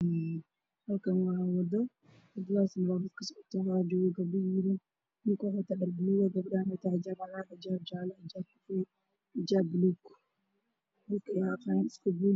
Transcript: Halkan waxaa taagan gabdho iyo wiilal wiilasha waxay wataan waxay wataan xijaabo kala ah doon xijaab cadaan madoobe jaguduud